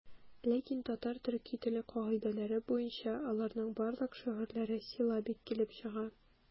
Ләкин татар-төрки теле кагыйдәләре буенча аларның барлык шигырьләре силлабик килеп чыга.